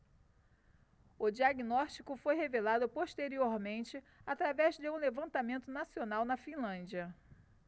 o diagnóstico foi revelado posteriormente através de um levantamento nacional na finlândia